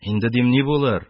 Инде, дим, ни булыр,